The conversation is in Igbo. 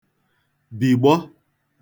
bìgbọ